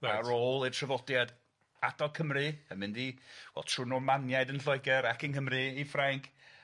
Ar ôl i'r traddodiad adael Cymru yn mynd i wel trw'r Normaniaid yn Lloeger ac yng Nghymru i Ffrainc